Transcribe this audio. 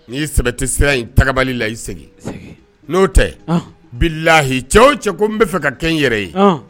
N sɛbɛ tɛsira tabali la i segin n'o tɛ bi lahi cɛw o cɛ ko n'a fɛ ka kɛ n yɛrɛ ye